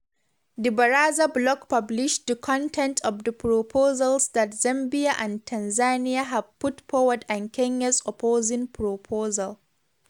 The Baraza blog published the content of the proposals that Zambia and Tanzania have put forward and Kenya's opposing proposal.